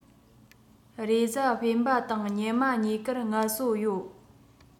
རེས གཟའ སྤེན པ དང ཉི མ གཉིས ཀར ངལ གསོ ཡོད